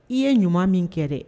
I ye ɲuman min kɛ dɛ